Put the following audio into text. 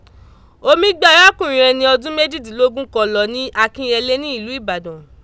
Omi gbé arákùnrin ẹni ọdún méjìdínlógún kan lọ ní Akínyẹlé ní ìlú Ìbàdàn.